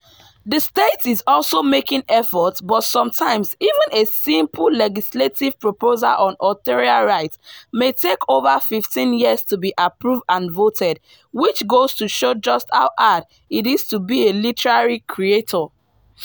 The state is also making efforts but sometimes even a simple legislative proposal on authorial rights takes over 15 years to be approved and voted, which goes to show just how hard it is to be a literary creator.